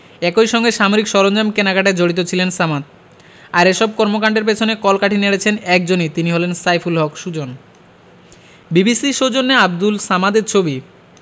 একই সঙ্গে সামরিক সরঞ্জাম কেনাকাটায় জড়িত ছিলেন সামাদ আর এসব কর্মকাণ্ডের পেছনে কলকাঠি নেড়েছেন একজনই তিনি হলেন সাইফুল হক সুজন বিবিসির সৌজন্যে আবদুল সামাদের ছবি